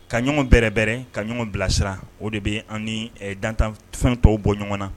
Ka ɲɔgɔn bɛrɛbrɛ ka ɲɔgɔn bilasira o de bɛ an dan tanfɛn tɔw bɔ ɲɔgɔn na